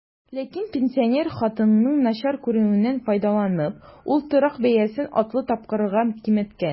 Ләкин, пенсинер хатынның начар күрүеннән файдаланып, ул торак бәясен алты тапкырга киметкән.